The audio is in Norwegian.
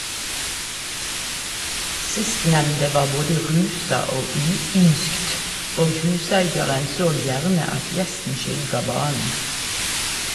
Sistnemnde var både rusa og uynskt, og huseigaren såg gjerne at gjesten skygga banen.